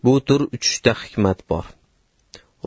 bu tur uchishda hikmat bor